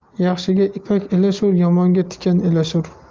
yaxshiga ipak ilashur yomonga tikan ilashur